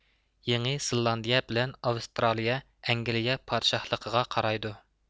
يېڭى زېللاندىيە بىلەن ئاۋسترالىيە ئەنگلىيە پادىشاھلىقىغا قارايدۇ